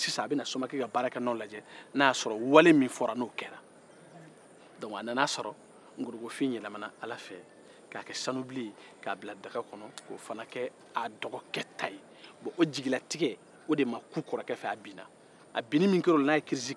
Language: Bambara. a nana a sɔrɔ nkoronfin yɛlɛmana ka ke sanu bilen ye daga kɔnɔ k'o fana kɛ dɔgɔkɛ ta jigilatigɛ ma kun kɔrɔkɛ fɛ a binna a binni min kɛra o la a ma wuli o la tugun